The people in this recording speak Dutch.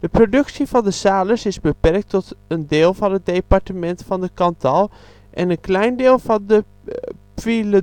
productie van de Salers is beperkt tot een deel van het departement van de Cantal en een klein deel van de Puy-de-Dôme. Het